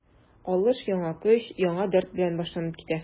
Алыш яңа көч, яңа дәрт белән башланып китә.